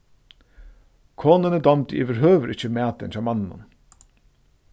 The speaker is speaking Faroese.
konuni dámdi yvirhøvur ikki matin hjá manninum